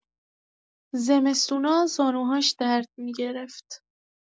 زمستونا زانوهاش درد می‌گرفت.